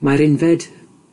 Mae'r unfed